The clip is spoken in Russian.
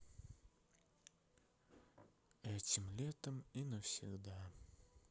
этим летом и навсегда